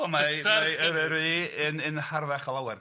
O mae mae Eryri yn yn harddach o lawer de.